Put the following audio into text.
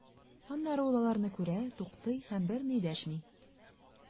Аннары ул аларны күрә, туктый һәм берни дәшми.